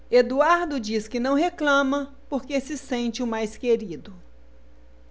eduardo diz que não reclama porque se sente o mais querido